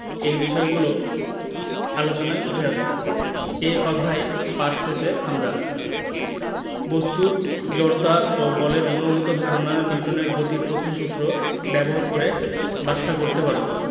এই বিষয়গুলোও আলোচনায় উঠে আসবে এ অধ্যায় পাঠ শেষে আমরা বস্তুর জড়তা ও বলের গুণগত ধারণা নিউটনের গতির প্রথম সূত্র ব্যবহার করে ব্যাখ্যা করতে পারব